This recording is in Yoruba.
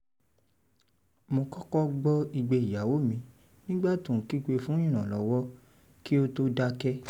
“Mo kọ́kọ́ gbọ́ igbe ìyàwó mi nígbà tí ó ń kígbé fún ìrànlọ́wọ́, kí ó tó dákẹ́.